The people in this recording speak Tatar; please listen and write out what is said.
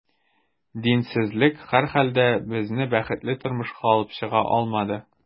Динсезлек, һәрхәлдә, безне бәхетле тормышка алып чыга алмады.